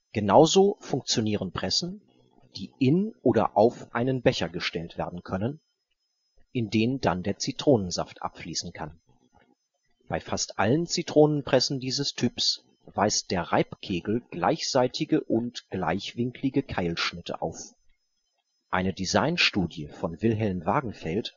Genauso funktionieren Pressen, die in oder auf einen Becher gestellt werden können, in den dann der Zitronensaft abfließen kann. Bei fast allen Zitronenpressen dieses Typs weist der Reibkegel gleichseitige und gleichwinklige Keilschnitte auf. Eine Designstudie von Wilhelm Wagenfeld